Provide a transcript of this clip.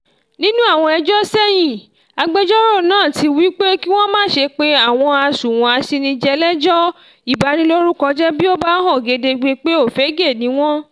Nínú àwọn ẹjọ́ sẹ́yìn, agbẹjọ́rò náà ti wí pé kí wọ́n má ṣe pé àwọn àsùnwọ̀n asínnijẹ lẹ́jọ́ ìbanilórúkọjẹ́ bí ó bá hàn gedegbe pé òfegè ni wọ́n.